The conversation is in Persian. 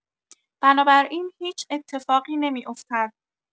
بنابراین هیچ اتفاقی نمی‌افتد.